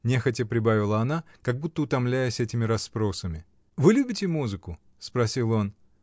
— нехотя прибавила она, как будто утомляясь этими расспросами. — Вы любите музыку? — спросил он.